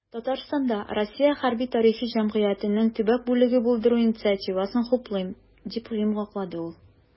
"татарстанда "россия хәрби-тарихи җәмгыяте"нең төбәк бүлеген булдыру инициативасын хуплыйм", - дип йомгаклады ул.